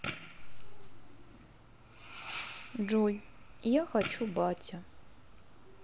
джой я хочу батя